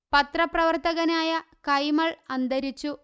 പത്ര പ്രവർത്തകനായ കൈമൾ അന്തരിച്ചു